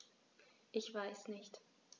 Ich weiß nicht.